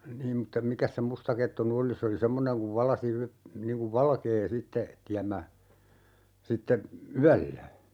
niin mutta mikäs se mustakettu nyt oli se oli semmoinen kun valaisi - niin kuin valkea sitten tiemmä sitten yöllä